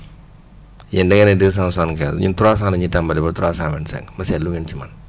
yéen da ngeen ne deux cent soixante quinze ñun trois cent la ñuy tàmbalee ba trois cent vingt cinq ma seet lu ngeen ci mën